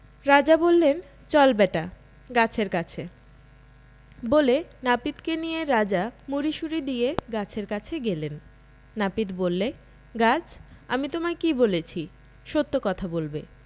রাজা বললেন চল ব্যাটা গাছের কাছে বলে নাপিতকে নিয়ে রাজা মুড়িসুড়ি দিয়ে গাছের কাছে গেলেন নাপিত বললে গাছ আমি তোমায় কী বলেছি সত্য কথা বলবে